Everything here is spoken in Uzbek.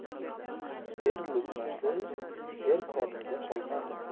er luqmasi er qornida qolmas